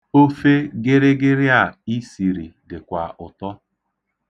Ofe gịrịgịrị a i siri dịkwa ụtọ.